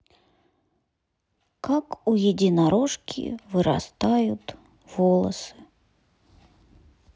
как у единорожки вырастают волосы